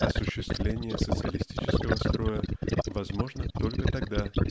осуществление социалистического строя возможно только тогда